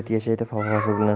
yigit yashaydi vafosi bilan